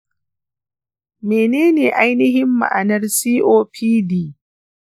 menene ainihin ma'anar copd?